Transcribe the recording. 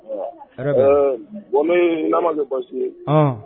Bɔn n'a ma kɛ baasi ye